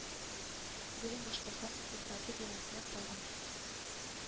Бүген Башкортстан икътисады бинасына тагын